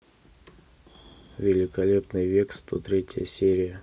великолепный век сто третья серия